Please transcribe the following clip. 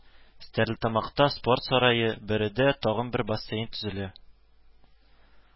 Стәрлетамакта Спорт сарае, Бөредә тагын бер бассейн төзелә